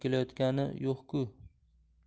kelayotgani yo'q ku